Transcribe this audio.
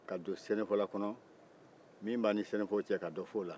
ka don sɛnɛfɔla kɔnɔ min b'an ni sɛnɛfɔw cɛ ka dɔ fɔ o la